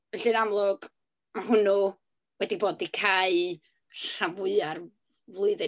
Felly'n amlwg, ma' hwnnw wedi bod 'di cau rhan fwya'r flwyddyn.